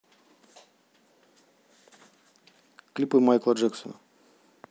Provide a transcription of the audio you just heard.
клипы майкла джексона